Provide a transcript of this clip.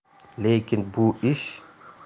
lekin bu ish